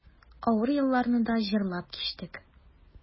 Авыр елларны да җырлап кичтек.